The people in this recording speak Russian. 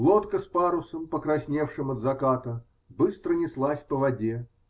Лодка с парусом, покрасневшим от заката, быстро неслась по воде.